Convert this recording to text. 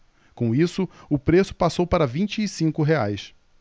com isso o preço passou para vinte e cinco reais